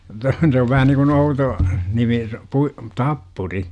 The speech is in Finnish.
että se on vähän niin kuin outo nimi - tappuri